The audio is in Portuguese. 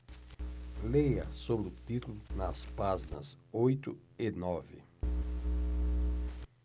leia sobre o título nas páginas oito e nove